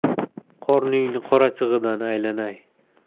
qorningni qorachig'idan aylanay